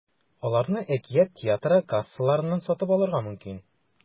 Аларны “Әкият” театры кассаларыннан сатып алырга мөмкин.